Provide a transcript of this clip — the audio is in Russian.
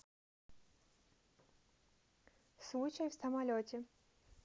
случай в самолете